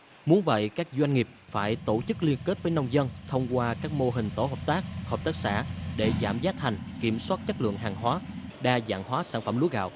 muốn vậy các doanh nghiệp phải tổ chức liên kết với nông dân thông qua các mô hình tổ hợp tác hợp tác xã để giảm giá thành kiểm soát chất lượng hàng hóa đa dạng hóa sản phẩm lúa gạo